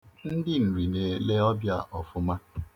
Ndị nri na-ele ọbịa ọfụma